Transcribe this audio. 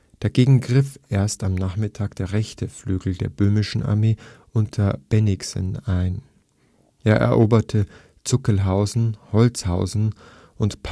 Dagegen griff erst am Nachmittag der rechte Flügel der Böhmischen Armee unter Bennigsen ein. Er eroberte Zuckelhausen, Holzhausen und Paunsdorf